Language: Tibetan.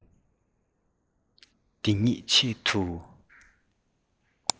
འདི གཉིས ཆེད དུ